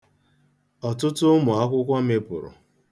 Ọtụtụ ụmụ akwụkwọ mịpụrụ.